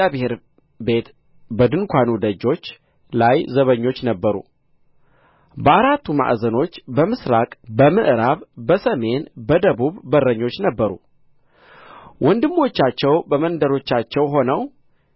በእግዚአብሔር ቤት በድንኳኑ ደጆች ላይ ዘበኞች ነበሩ በአራቱ ማዕዘኖች በምሥራቅ በምዕራብ በሰሜን በደቡብ በረኞች ነበሩ ወንድሞቻቸውም በመንደሮቻቸው ሆነው